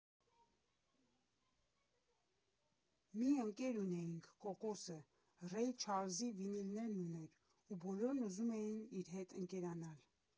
Մի ընկեր ունեինք՝ Կոկոսը, Ռեյ Չարլզի վինիլներն ուներ, ու բոլորն ուզում էին իր հետ ընկերանալ։